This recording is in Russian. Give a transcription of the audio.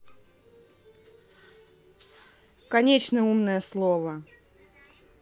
конечно умное слово